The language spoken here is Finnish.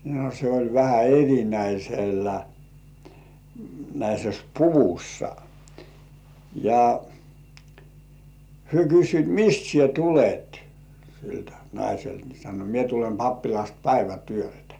no se oli vähän - erinäisessä puvussa ja he kysyivät mistä sinä tulet siltä naiselta niin sanoi minä tulen pappilasta päivätyöltä